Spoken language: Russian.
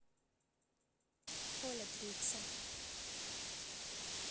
коля три икса